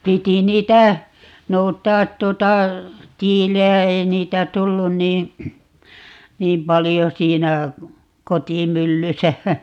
piti niitä noutaa tuota tiiliä ei niitä tullut niin niin paljon siinä kotimyllyssä